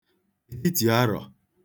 ètitì arọ̀